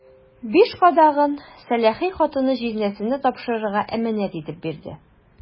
Биш кадагын сәләхи хатыны җизнәсенә тапшырырга әманәт итеп бирде.